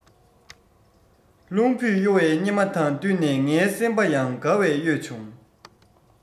རླུང བུས གཡོ བའི སྙེ མ དང བསྟུན ནས ངའི སེམས པ ཡང དགའ བས གཡོས བྱུང